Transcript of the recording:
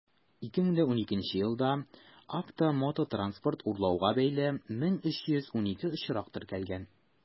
2012 елда автомототранспорт урлауга бәйле 1312 очрак теркәлгән.